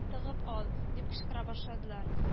— тыгып ал! — дип кычкыра башладылар